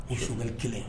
I suri kelen